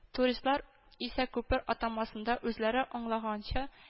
Туристлар исә күпер атамасында үзләре аңлаганча